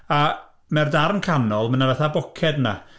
A mae'r darn canol, mae 'na fatha boced yna...